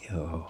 joo